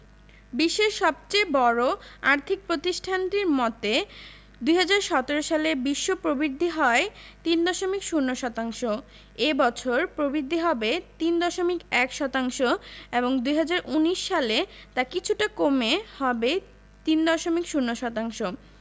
বিশ্বের সবচেয়ে বড় আর্থিক প্রতিষ্ঠানটির মতে ২০১৭ সালে বিশ্ব প্রবৃদ্ধি হয় ৩.০ শতাংশ এ বছর প্রবৃদ্ধি হবে ৩.১ শতাংশ এবং ২০১৯ সালে তা কিছুটা কমে হবে ৩.০ শতাংশ